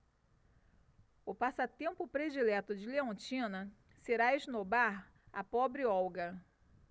o passatempo predileto de leontina será esnobar a pobre olga